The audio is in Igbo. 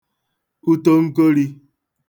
utonkolī